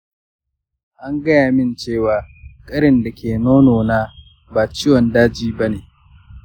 an gaya min cewa ƙarin da ke nonona ba ciwon daji ba ne.